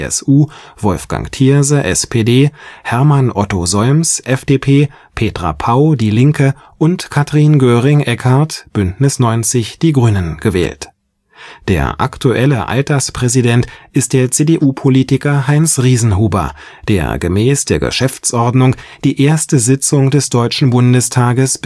CSU), Wolfgang Thierse (SPD), Hermann Otto Solms (FDP), Petra Pau (Die Linke) und Katrin Göring-Eckardt (Bündnis 90/Die Grünen) gewählt. Der aktuelle Alterspräsident ist der CDU-Politiker Heinz Riesenhuber, der gemäß der Geschäftsordnung die 1. Sitzung des Deutschen Bundestages